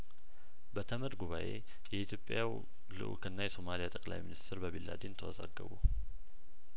በተመድ ጉባኤ የኢትዮጵያው ልኡክና የሱማሊያ ጠቅለይ ሚንስትር በቢንላደን ተወዛገቡ